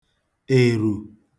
èrù